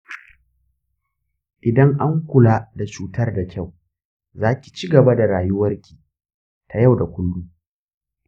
idan an kula da cutar da kyau, za ki ci gaba da rayuwarki ta yau da kullum.